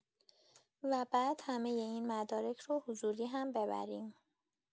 و بعد همۀ این مدارک رو حضوری هم ببریم